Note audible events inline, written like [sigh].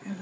[hesitation] [hesitation]